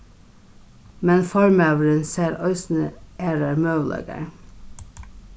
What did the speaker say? men formaðurin sær eisini aðrar møguleikar